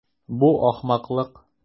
Бу ахмаклык.